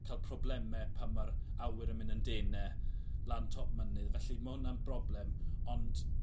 ca'l probleme pan ma'r awyr yn mynd yn dene lan top mynydd felly ma' hwnna'n broblem ond